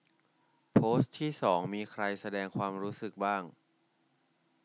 โพสต์ที่สองมีใครแสดงความรู้สึกบ้าง